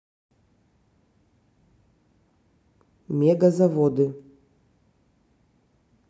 мега заводы